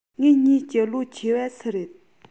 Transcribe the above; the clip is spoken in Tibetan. ངེད གཉིས ཀྱི ལོ ཆེ བ སུ རེད